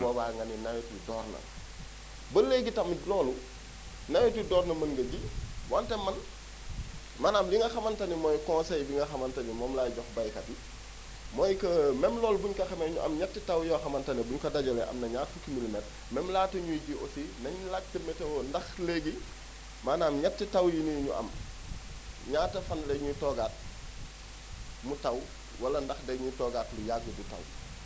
bu boobaa nga ni nawet wi door na ba léegi itam loolu nawet wi door na mën nga ji wante man maanaam li nga xamante ni mooy conseils bi nga xamante ni moom laay jox bayakat yi mooy que même loolu bu ñu ko xamee ñu am ñetti taw yoo xamante ni bu énu ko dajalee am na ñaar fukki milimètres m^me laata ñuy ji aussi nañ laajte météo ndax léegi maanaam ñetti taw yii nii ñu am ñaata fan la ñuy toogaat mu taw wala ndax dañuy toggaat lu yàgg du am